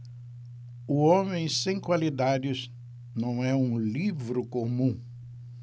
o homem sem qualidades não é um livro comum